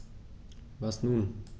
Was nun?